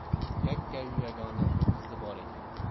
yakkayu yagona qizi bor ekan